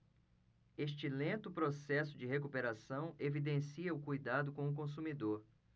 este lento processo de recuperação evidencia o cuidado com o consumidor